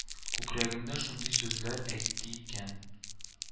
Күкрәгәндә шундый сүзләр әйтте икән